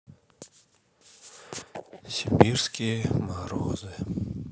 сибирские морозы